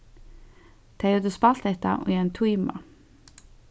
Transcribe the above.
tey høvdu spælt hetta í ein tíma